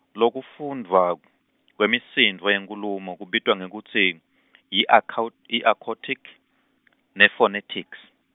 lokufundvwa, kwemisindvo yenkhulumo, kubitwa ngekutsi, yi-accout-, yi-accoutic, nephonetics.